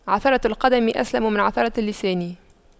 عثرة القدم أسلم من عثرة اللسان